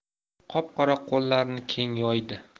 qop qora qo'llarini keng yoydi